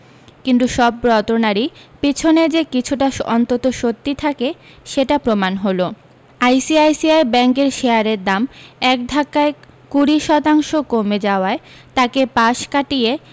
কিন্তু সব রটনারই পিছনে যে কিছুটা অন্তত সত্যি থাকে সেটা প্রমাণ হল আইসিআইসিআই ব্যাঙ্কের শেয়ারের দাম এক ধাক্কায় কুড়ি শতাংশ কমে যাওয়ায় তাকে পাশ কাটিয়ে